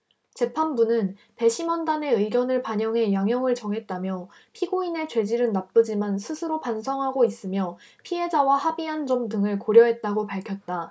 재판부는 배심원단의 의견을 반영해 양형을 정했다며 피고인의 죄질은 나쁘지만 스스로 반성하고 있으며 피해자와 합의한 점 등을 고려했다고 밝혔다